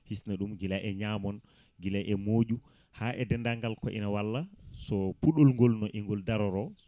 hissna ɗum guilay e ñamon guila e moƴƴu ha e dendangal ko ina walla so puɗɗol gol daroro